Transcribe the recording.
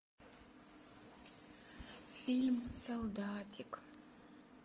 фильм солдатик